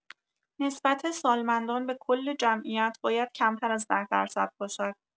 نسبت سالمندان به‌کل جمعیت باید کمتر از ۱۰ درصد باشد.